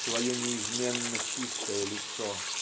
свое неизменно чистое лицо.